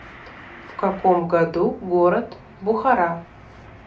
в каком году город бухара